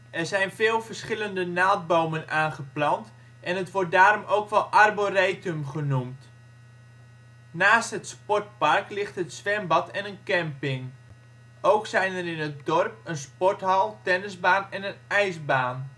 zijn veel verschillende naalbomen aangeplant en het wordt daarom ook wel arboretum genoemd. Naast het sportpark ligt het zwembad en een camping. Ook zijn er in het dorp een sporthal, tennisbaan en een ijsbaan